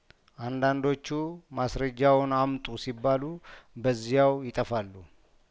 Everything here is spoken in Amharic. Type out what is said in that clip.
አንዳንዶቹ ማስረጃውን አምጡ ሲባሉ በዚያው ይጠፋሉ